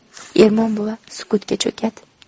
ermon buva sukutga cho'kadi